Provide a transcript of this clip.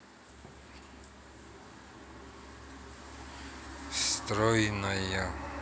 стройная